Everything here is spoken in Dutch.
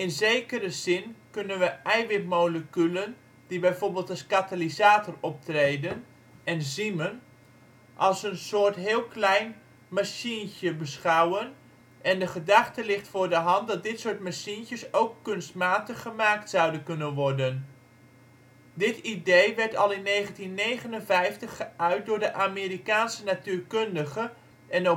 zekere zin kunnen we eiwitmoleculen die bijvoorbeeld als katalysator optreden (enzymen) als een soort heel klein machientje beschouwen en de gedachte ligt voor de hand dat dit soort machientjes ook kunstmatig gemaakt zouden kunnen worden. Dit idee werd al in 1959 geuit door de Amerikaanse natuurkundige en